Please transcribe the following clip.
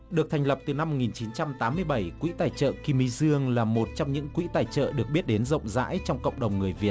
được thành lập từ năm một nghìn chín trăm tám mươi bảy quỹ tài trợ kim bình dương là một trong những quỹ tài trợ được biết đến rộng rãi trong cộng đồng người việt